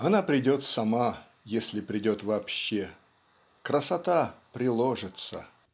Она придет сама, если придет вообще; красота приложится.